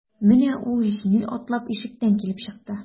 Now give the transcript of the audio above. Менә ул җиңел атлап ишектән килеп чыкты.